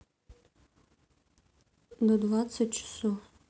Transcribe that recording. до двенадцать часов